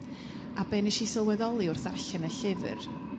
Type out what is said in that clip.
a be' nesh i sylweddoli wrth ddarllen y llyfyr